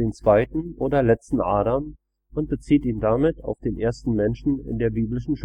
zweiten “oder „ letzten Adam “und bezieht ihn damit auf den ersten Menschen in der biblischen